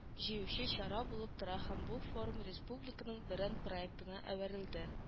Җыючы чара булып тора һәм бу форум республиканың бренд проектына әверелде”, -